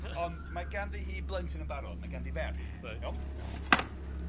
On' mae ganddi hi blentyn yn barod, mae ganddi ferch. Reit. Iawn?